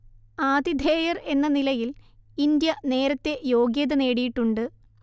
ആതിഥേയർ എന്ന നിലയിൽ ഇന്ത്യ നേരത്തെ യോഗ്യത നേടിയിട്ടുണ്ട്